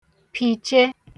pìche